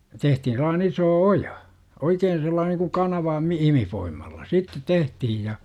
tehtiin sellainen iso oja oikein sellainen niin kuin kanava - ihmisvoimalla sitten tehtiin ja